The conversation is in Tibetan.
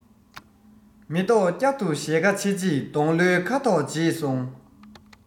མེ ཏོག བསྐྱར དུ ཞལ ཁ ཕྱེ རྗེས སྡོང ལོའི ཁ དོག བརྗེས སོང